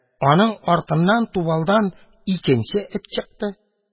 Аның артыннан тубалдан икенче эт чыкты.